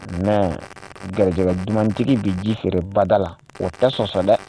Mais garijɛba dumanj bɛ ji feere bada la o tɛ sɔsɔ dɛ